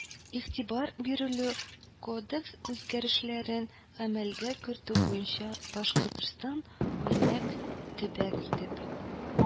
Игътибар бирелү, кодекс үзгәрешләрен гамәлгә кертү буенча башкортстанның үрнәк төбәк итеп